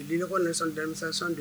U bɛ ɲɔgɔ nisɔn diya